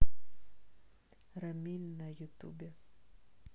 рамиль на ютубе